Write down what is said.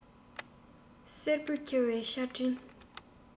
བསེར བུས འཁྱེར བའི ཆར སྤྲིན